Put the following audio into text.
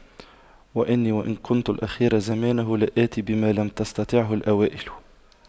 وإني وإن كنت الأخير زمانه لآت بما لم تستطعه الأوائل